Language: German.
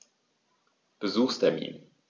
Besuchstermin